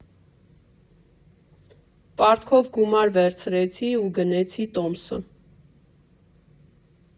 Պարտքով գումար վերցրեցի ու գնեցի տոմսը։